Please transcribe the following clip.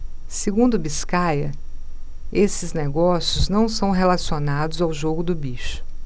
segundo biscaia esses negócios não são relacionados ao jogo do bicho